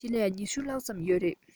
ཆེད ལས ༢༠ ལྷག ཙམ ཡོད རེད